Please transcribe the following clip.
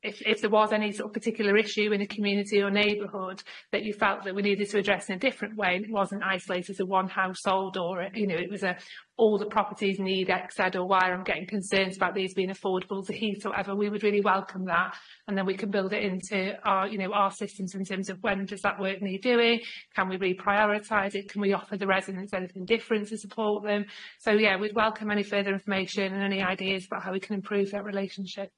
If if there was any sort of particular issue in a community or neighbourhood that you felt that we needed to address in a different way and it wasn't isolated to one household or y'know it was a all the properties need exstad or wire I'm getting concerns about these being affordable to heat or whatever we would really welcome that and then we can build it into our y'know our systems in terms of when does that work need doing can we re-prioritise it can we offer the residents anything different to support them so yeah we'd welcome any further information and any ideas about how we can improve that relationship.